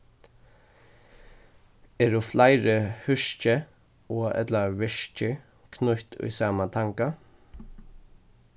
eru fleiri húski og ella virkir knýtt í sama tanga